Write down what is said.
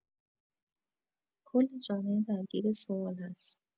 کل جامعه درگیر سوال هست.